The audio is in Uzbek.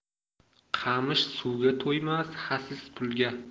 qamish suvga to'ymas xasis pulga